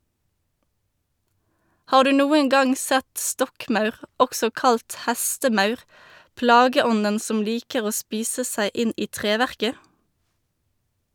Har du noen gang sett stokkmaur, også kalt hestemaur, plageånden som liker å spise seg inn i treverket?